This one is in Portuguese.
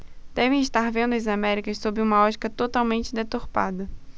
devem estar vendo as américas sob uma ótica totalmente deturpada